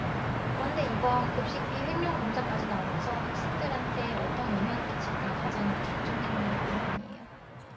그런데 이번 급식비 횡령 감사까지 나오면서 학생들한테 어떤 영향을 끼칠까 제일 걱정되는 건 그 부분이에요